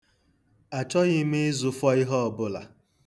Achọghị m ịzụfọ ihe ọbụla.